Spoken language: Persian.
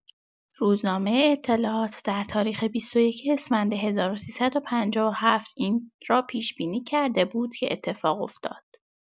روزنامه اطلاعات در تاریخ ۲۱ اسفند ۱۳۵۷این را پیش‌بینی کرده بود که اتفاق افتاد!